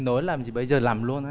nói làm gì bây giờ làm luôn anh